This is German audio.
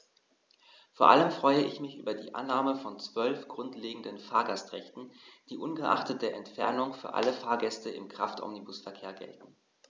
Vor allem freue ich mich über die Annahme von 12 grundlegenden Fahrgastrechten, die ungeachtet der Entfernung für alle Fahrgäste im Kraftomnibusverkehr gelten.